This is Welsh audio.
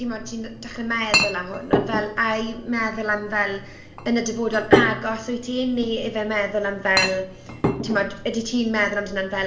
timod ti'n dechre meddwl am hwn, ond fel, ai meddwl am fel yn y dyfodol agos wyt ti neu ife meddwl am... fel timod ydy ti'n meddwl am dy hunain fel?